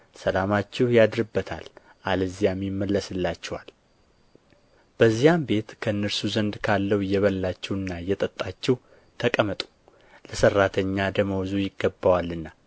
ሰላማችሁ ያድርበታል አለዚያም ይመለስላችኋል በዚያም ቤት ከእነርሱ ዘንድ ካለው እየበላችሁና እየጠጣችሁ ተቀመጡ ለሠራተኛ ደመወዙ ይገባዋልና